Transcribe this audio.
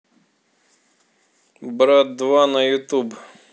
брат два на ютуб